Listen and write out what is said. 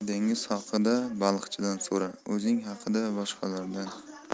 dengiz haqida baliqchidan so'ra o'zing haqida boshqalardan